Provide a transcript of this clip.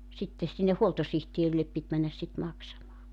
sitten sinne huoltosihteerille piti mennä sitten maksamaan